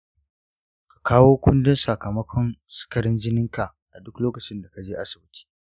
ka kawo kundin sakamakon sukarin jininka a duk lokacin da ka je asibiti.